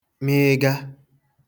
mịịga